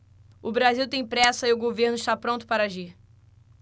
o brasil tem pressa e o governo está pronto para agir